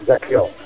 jam soom